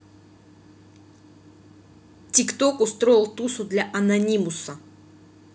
тик ток устроил тусу для анонимуса